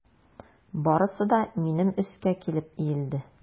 Барысы да минем өскә килеп иелде.